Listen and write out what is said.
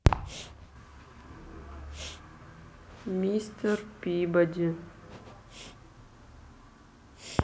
мистер пибоди